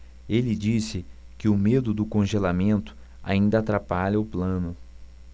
ele disse que o medo do congelamento ainda atrapalha o plano